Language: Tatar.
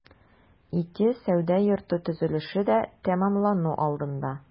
Ике сәүдә йорты төзелеше дә тәмамлану алдында.